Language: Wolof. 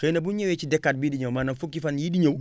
xëy na bu ñu ñëwee si decate bii di ñëw maanaam fukki fan yii di ñëw